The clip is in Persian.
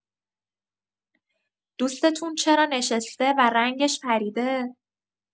دوستتون چرا نشسته و رنگش پریده؟